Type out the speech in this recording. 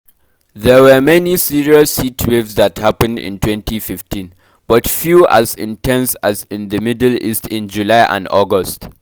There were many serious heatwaves that happened in 2015, but few as intense as in the Middle East in July and August.